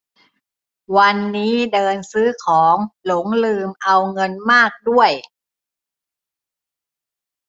วันนี้เดินซื้อของหลงลืมเอาเงินมากด้วย